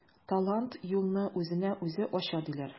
Талант юлны үзенә үзе ача диләр.